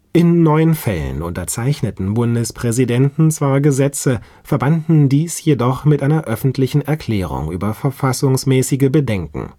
In neun Fällen unterzeichneten Bundespräsidenten zwar Gesetze, verbanden dies jedoch mit einer öffentlichen Erklärung über verfassungsmäßige Bedenken